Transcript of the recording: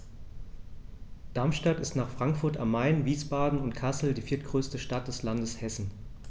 Darmstadt ist nach Frankfurt am Main, Wiesbaden und Kassel die viertgrößte Stadt des Landes Hessen